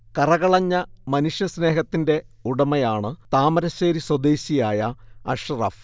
കറകളഞ്ഞ മനുഷ്യ സ്നേഹത്തിന്റെ ഉടമയാണ് താമരശേരി സ്വദേശിയായ അഷ്റഫ്